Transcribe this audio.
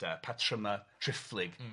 'De, patryma triphlyg. Mm.